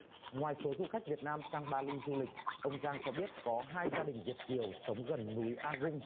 ngoài số du khách việt nam sang ba li du lịch ông giang cho biết có hai gia đình việt kiều sống gần núi a gung